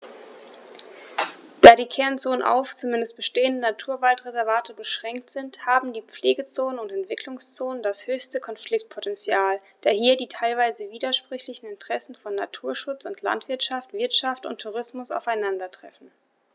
Da die Kernzonen auf – zumeist bestehende – Naturwaldreservate beschränkt sind, haben die Pflegezonen und Entwicklungszonen das höchste Konfliktpotential, da hier die teilweise widersprüchlichen Interessen von Naturschutz und Landwirtschaft, Wirtschaft und Tourismus aufeinandertreffen.